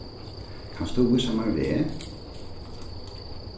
kanst tú vísa mær veg